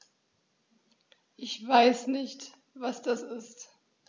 Ich weiß nicht, was das ist.